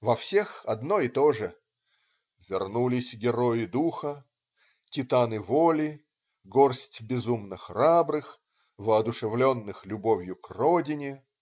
Во всех одно и тоже: "вернулись герои духа", "титаны воли", "горсть безумно-храбрых", "воодушевленных любовью к родине".